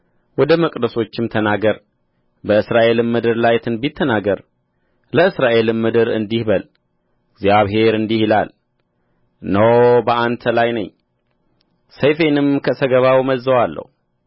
ወደ መቅደሶችም ተናገር በእስራኤልም ምድር ላይ ትንቢት ተናገር ለእስራኤልም ምድር እንዲህ በል እግዚአብሔር እንዲህ ይላል እነሆ በአንተ ላይ ነኝ ሰይፌንም ከሰገባው እመዝዘዋለሁ